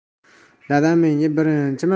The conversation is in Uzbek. dadam menga birinchi